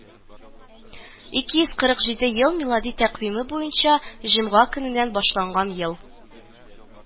Ике йөз кырык җиде ел милади тәкъвиме буенча җомга көненнән башланган ел